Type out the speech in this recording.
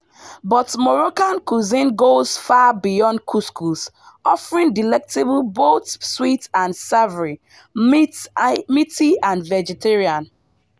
But Moroccan cuisine goes far beyond couscous, offering delectables both sweet and savory, meaty and vegetarian.